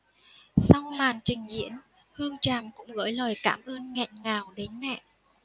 sau màn trình diễn hương tràm cũng gửi lời cảm ơn nghẹn ngào đến mẹ